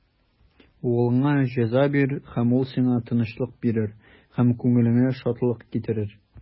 Углыңа җәза бир, һәм ул сиңа тынычлык бирер, һәм күңелеңә шатлык китерер.